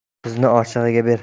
qizni oshig'iga ber